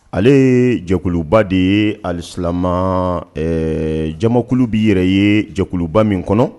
Ale ye jɛba de ye alisaman jakulu bɛ yɛrɛ ye jɛkuluba min kɔnɔ